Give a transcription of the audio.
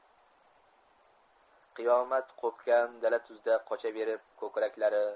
qiyomat qo'pgan dala tuzda qochaverib ko'kraklari